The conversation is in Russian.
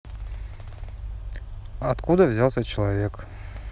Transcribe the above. откуда взялся человек